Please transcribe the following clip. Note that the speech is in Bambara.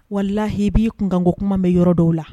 Walahi i b'i kunkanko kuma mɛn yɔrɔ dɔw la!